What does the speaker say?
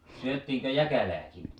- syötiinkö jäkälääkin